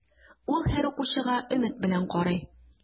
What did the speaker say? Ул һәр укучыга өмет белән карый.